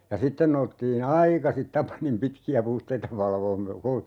ja sitten noustiin aikaisin Tapanin pitkiä puhteita valvomaan --